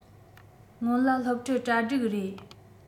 སྔོན ལ སློབ ཁྲིད གྲ སྒྲིག རེད